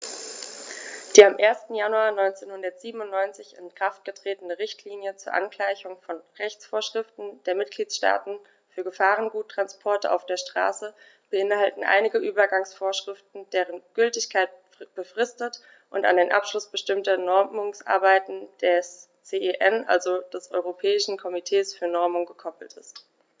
Die am 1. Januar 1997 in Kraft getretene Richtlinie zur Angleichung von Rechtsvorschriften der Mitgliedstaaten für Gefahrguttransporte auf der Straße beinhaltet einige Übergangsvorschriften, deren Gültigkeit befristet und an den Abschluss bestimmter Normungsarbeiten des CEN, also des Europäischen Komitees für Normung, gekoppelt ist.